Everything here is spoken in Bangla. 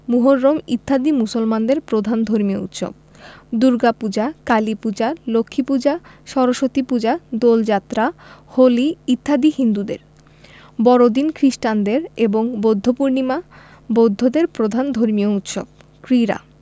মুহররম ইত্যাদি মুসলমানদের প্রধান ধর্মীয় উৎসব দুর্গাপূজা কালীপূজা লক্ষ্মীপূজা সরস্বতীপূজা দোলযাত্রা হোলি ইত্যাদি হিন্দুদের বড়দিন খ্রিস্টানদের এবং বৌদ্ধপূর্ণিমা বৌদ্ধদের প্রধান ধর্মীয় উৎসব ক্রীড়া